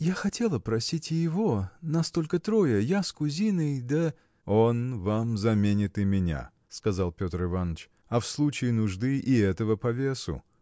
– Я хотела просить и его; нас только трое: я с кузиной, да. – Он вам заменит и меня – сказал Петр Иваныч – а в случае нужды и этого повесу.